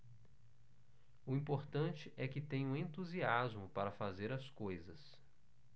o importante é que tenho entusiasmo para fazer as coisas